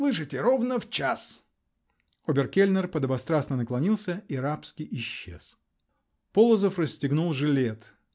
Слышите, ровно в час!" Обер-кельнер подобострастно наклонился и рабски исчез. Полозов расстегнул жилет.